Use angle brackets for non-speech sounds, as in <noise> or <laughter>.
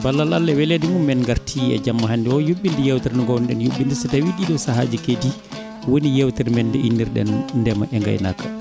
<music> ballal Allah weleede mum en ngartii e jamma hannde yuɓɓinde yeewtere nde ngoownoɗen yuɓɓinde ni si tawii ɗii ɗoo sahaaji keedi woni yewtere men nde innirɗen ndema e ngaynaaka